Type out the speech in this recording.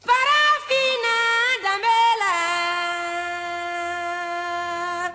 Sabafinna danbe bɛ la